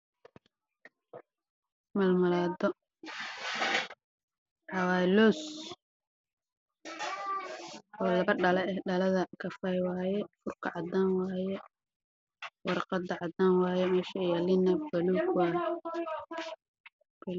Waa caagado waxaa ku jira shukuraato midabkeedu yahay madow